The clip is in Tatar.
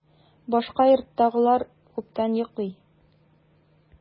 Башка йорттагылар күптән йоклый.